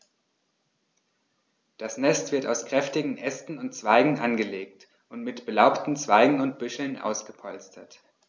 Das Nest wird aus kräftigen Ästen und Zweigen angelegt und mit belaubten Zweigen und Büscheln ausgepolstert.